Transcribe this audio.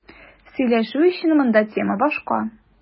Сөйләшү өчен монда тема башка.